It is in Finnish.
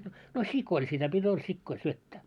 no sioilla sitä piti oli sioille syöttää